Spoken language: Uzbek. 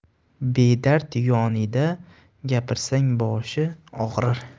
bedard yonida gapirsang boshi og'rir